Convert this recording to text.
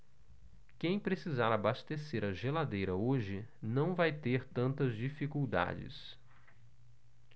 quem precisar abastecer a geladeira hoje não vai ter tantas dificuldades